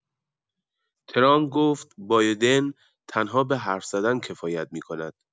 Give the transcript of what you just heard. ترامپ گفت بایدن تنها به حرف‌زدن کفایت می‌کند.